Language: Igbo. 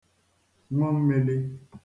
ṅụ mmīlī